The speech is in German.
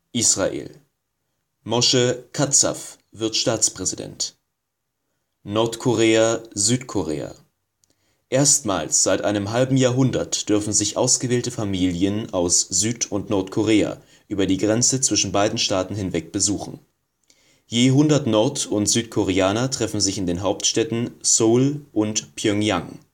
Israel: Moshe Katsav wird Staatspräsident. Nordkorea/Südkorea: Erstmals seit einem halben Jahrhundert dürfen sich ausgewählte Familien aus Süd - und Nordkorea über die Grenze zwischen beiden Staaten hinweg besuchen. Je 100 Nord - und Südkoreaner treffen sich in den Hauptstädten Seoul und Pyongyang